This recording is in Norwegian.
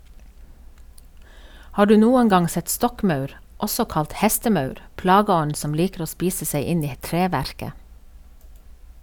Har du noen gang sett stokkmaur, også kalt hestemaur, plageånden som liker å spise seg inn i treverket?